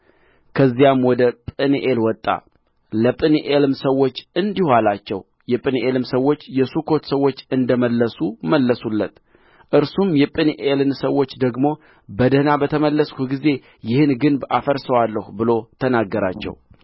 ከዚያም ወደ ጵኒኤል ወጣ ለጵኒኤልም ሰዎች እንዲሁ አላቸው የጵንኤልም ሰዎች የሱኮት ሰዎች እንደ መለሱ መለሱለት እርሱም የጵኒኤልን ሰዎች ደግሞ በደኅና በተመለስሁ ጊዜ ይህን ግንብ አፈርሰዋለሁ ብሎ ተናገራቸው